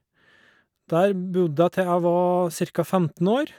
Der bodde jeg til jeg var cirka femten år.